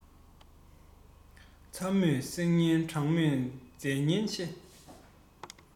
ཚ མོས བསྲེག ཉེན གྲང མོས རྫས ཉེན ཆེ